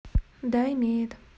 да имеет